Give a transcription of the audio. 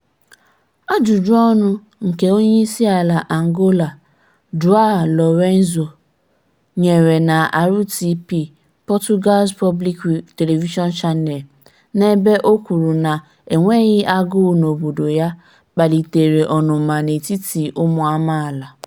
Ajụjụọnụ nke Onyeisiala Angola João Lourenço nyere na RTP, Portugal’s Public Television Channel, n'ebe o kwụrụ na enweghị agụụ n'obodo ya, kpalitere ọṅụma n'etiti ụmụamaala.